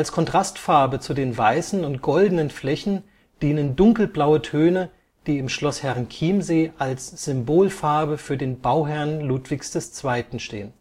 Kontrastfarbe zu den weißen und goldenen Flächen dienen dunkelblaue Töne, die im Schloss Herrenchiemsee als Symbolfarbe für den Bauherrn Ludwig II. stehen